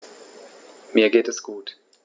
Mir geht es gut.